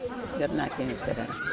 jot naa cee investir dara